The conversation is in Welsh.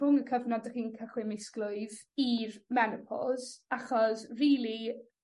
rhwng y cyfnod 'dych chi'n cychwyn misglwyf menopos achos rili